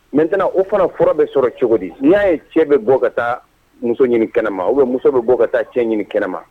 Mɛt o fana fura bɛ sɔrɔ cogo di n'a ye cɛ bɛ bɔ ka taa muso ɲini kɛnɛma o bɛ muso bɛ bɔ ka taa cɛ ɲini kɛnɛma